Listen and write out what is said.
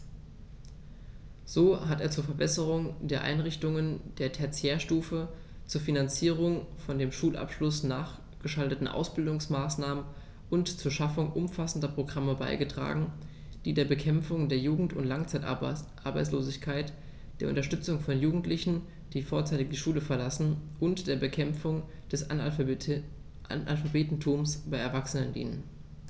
So hat er zur Verbesserung der Einrichtungen der Tertiärstufe, zur Finanzierung von dem Schulabschluß nachgeschalteten Ausbildungsmaßnahmen und zur Schaffung umfassender Programme beigetragen, die der Bekämpfung der Jugend- und Langzeitarbeitslosigkeit, der Unterstützung von Jugendlichen, die vorzeitig die Schule verlassen, und der Bekämpfung des Analphabetentums bei Erwachsenen dienen.